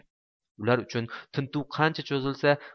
ular uchun tintuv qancha cho'zilsa